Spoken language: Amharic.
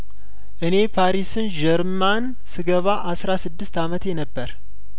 እኔ ፓሪስን ዠርማን ስገባ አስራ ስድስት አመቴ ነበር